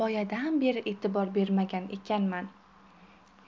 boyadan beri etibor bermagan ekanman